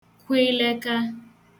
kwe le eka